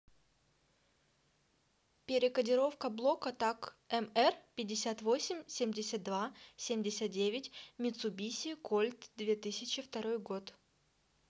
перекодировка блока так mr пятьдесят восемь семьдесят два семьдесят девять мицубиси кольт две тысячи второй год